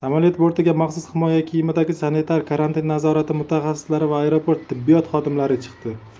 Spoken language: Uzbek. samolyot bortiga maxsus himoya kiyimidagi sanitar karantin nazorati mutaxassislari va aeroport tibbiyot xodimlari chiqdi